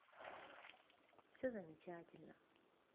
все замечательно